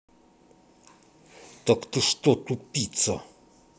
так ты что тупица